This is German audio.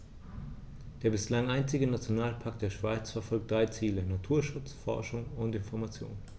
Der bislang einzige Nationalpark der Schweiz verfolgt drei Ziele: Naturschutz, Forschung und Information.